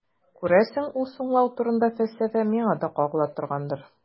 Күрәсең, ул «соңлау» турындагы фәлсәфә миңа да кагыла торгандыр.